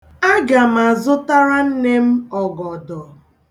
Aga m azụtara nne m ọgọdọ.